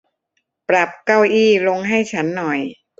ปรับเก้าอี้ลงให้ฉันหน่อย